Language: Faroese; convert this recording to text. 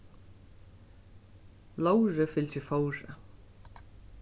lóðrið fylgir fóðri